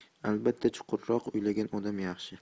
albatta chuqurroq o'ylagan odam yaxshi